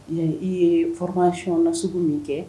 I y'a ye, i ye formation na sugu min kɛ